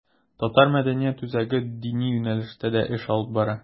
Татар мәдәният үзәге дини юнәлештә дә эш алып бара.